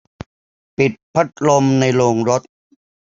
ปิดพัดลมในโรงรถ